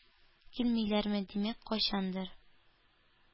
Килмиләрме? Димәк, кайчандыр